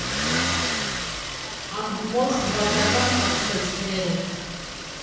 Անհումոր խմբագրական ստացվեց, կներե՛ք ։